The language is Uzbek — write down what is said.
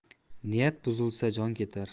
niyat buzilsa jon ketar